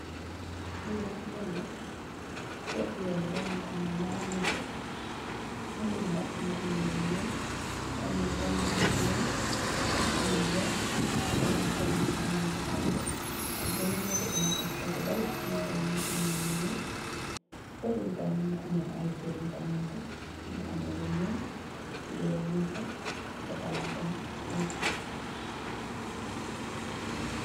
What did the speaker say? Li nak yoon la, ci pègg yoon bi nak mungi ameh naari moto. Moto bi nak mungi ameh lu ñuul punu yi tamit mungi ñuul, mungi am lu weeh, ci ganaaw tamit mungi ameh lu honku ak benen Moto tamit bi nekka ci kotè balè mum tamit mungi ameh lu ñuul. Ci kotè bi tamit mungi ameh ay kër yu fa nekka, mungi ameh lu ñuul, lu weeh mung fa, lu sokola tamit mung fa.